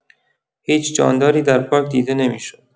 هیچ جانداری در پارک دیده نمی‌شد.